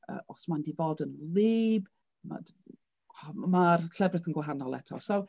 Yy os mae 'di bod yn wlyb mae'r ma'r llefrith yn gwahanol eto, so...